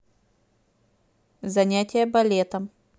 занятия балетом